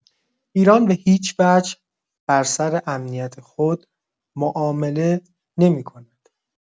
ایران به‌هیچ‌وجه بر سر امنیت خود معامله نمی‌کند.